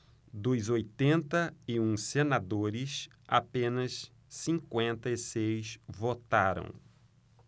dos oitenta e um senadores apenas cinquenta e seis votaram